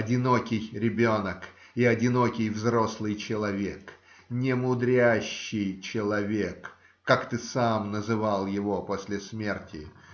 Одинокий ребенок и одинокий взрослый человек, "немудрящий" человек, как ты сам называл его после смерти.